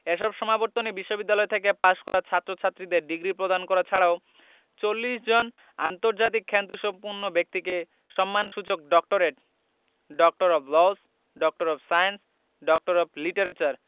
এসব সমাবর্তনে বিশ্ববিদ্যালয় থেকে পাশ করা ছাত্রছাত্রীদের ডিগ্রি প্রদান করা ছাড়াও ৪০ জন আন্তর্জাতিক খ্যাতিসম্পন্ন ব্যক্তিকে সম্মানসূচক doctorate doctor of laws doctor of science doctor of literature